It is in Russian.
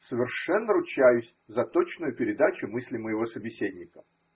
Совершенно ручаюсь за точную передачу мысли моего собеседника.